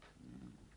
mm